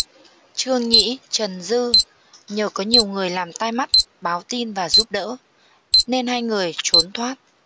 trương nhĩ trần dư nhờ có nhiều người làm tai mắt báo tin và giúp đỡ nên hai người trốn thoát